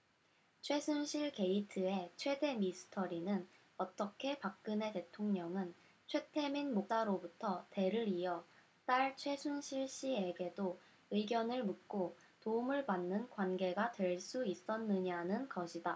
최순실 게이트의 최대 미스터리는 어떻게 박근혜 대통령은 최태민 목사로부터 대를 이어 딸 최순실씨에게도 의견을 묻고 도움을 받는 관계가 될 수 있었느냐는 것이다